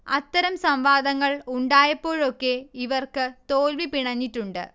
അത്തരം സംവാദങ്ങൾ ഉണ്ടായപ്പോഴൊക്കെ ഇവർക്ക് തോൽവി പിണഞ്ഞിട്ടുണ്ട്